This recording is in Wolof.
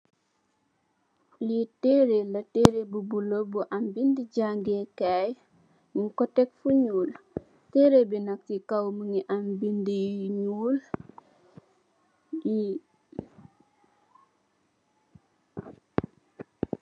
Li tereh la tereh bu bulu bu am bind jangeey kay nu ko teh fo nuul tereh bi nak ci kaw mingi am bindi yu nuul.